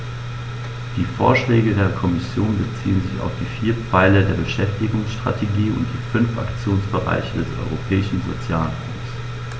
Die Vorschläge der Kommission beziehen sich auf die vier Pfeiler der Beschäftigungsstrategie und die fünf Aktionsbereiche des Europäischen Sozialfonds.